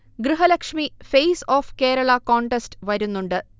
Grihalakshmi face of Kerala contest വരുന്നുണ്ട്